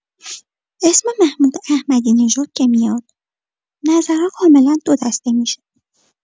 اسم محمود احمدی‌نژاد که میاد، نظرا کاملا دو دسته می‌شه.